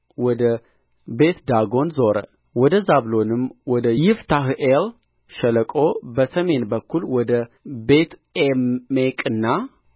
ወደ ቤትዳጎን ዞረ ወደ ዛብሎንም ወደ ይፍታሕኤል ሸለቆ በሰሜን በኩል ወደ ቤትዔሜቅና